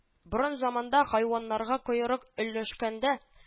Борын заманда, хайваннарга койрык өләшкәндә